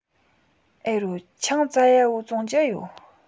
ཨེ རོ ཆང ཙ ཡ བོ བཙོང རྒྱུ ཨེ ཡོད